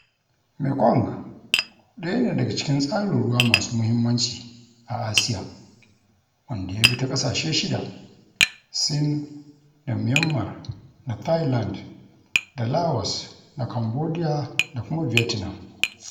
Mekong ɗaya ne daga cikin tsarin ruwa masu muhimmanci a Asiya wanda ya bi ta ƙasashe shida: Sin da Myanmar da Thailand da Laos da Cambodiya da kuma vietnam.